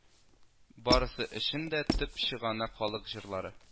Барысы өчен дә төп чыганак халык җырлары